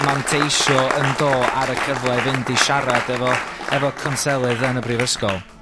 ...manteisio yndo ar y cyfle i fynd i siarad efo, hefo conselydd yn y brifysgol.